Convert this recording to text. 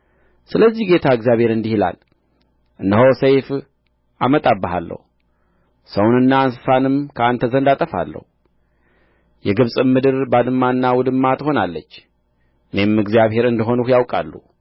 ስለዚህ ጌታ እግዚአብሔር እንዲህ ይላል እነሆ ሰይፍ አመጣብሃለሁ ሰውንና እንስሳንም ከአንተ ዘንድ አጠፋለሁ የግብጽም ምድር ባድማና ውድማ ትሆናለች እኔም እግዚአብሔር እንደ ሆንሁ ያውቃሉ